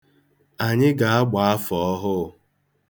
Anyị ga-agba afọ ọhụụ.